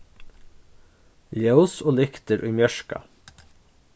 ljós og lyktir í mjørka